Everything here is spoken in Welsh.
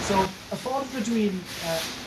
So y ffordd rydw i'n yy